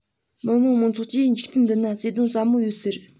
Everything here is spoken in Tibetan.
མི དམངས མང ཚོགས ཀྱིས འཇིག རྟེན འདི ན བརྩེ དུང ཟབ མོ ཡོད ཟེར